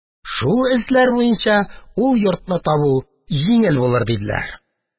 Шул эзләр буенча ул йортны табу җиңел булыр», – диделәр.